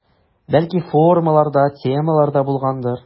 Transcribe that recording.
Бәлки формалар да, темалар да булгандыр.